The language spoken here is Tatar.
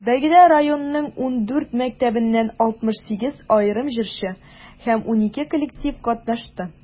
Бәйгедә районның 14 мәктәбеннән 68 аерым җырчы һәм 12 коллектив катнашты.